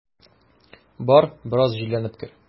Бар, бераз җилләнеп кер.